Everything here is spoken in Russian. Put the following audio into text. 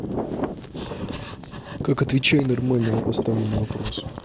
как отвечай нормально на поставленный вопрос